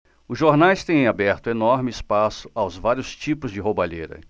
os jornais têm aberto enorme espaço aos vários tipos de roubalheira